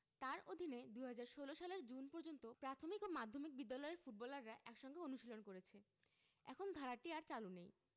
তাঁর অধীনে ২০১৬ সালের জুন পর্যন্ত প্রাথমিক ও মাধ্যমিক বিদ্যালয়ের ফুটবলাররা একসঙ্গে অনুশীলন করেছে এখন ধারাটি আর চালু নেই